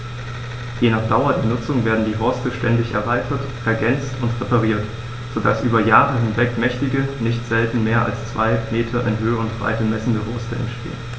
Je nach Dauer der Nutzung werden die Horste ständig erweitert, ergänzt und repariert, so dass über Jahre hinweg mächtige, nicht selten mehr als zwei Meter in Höhe und Breite messende Horste entstehen.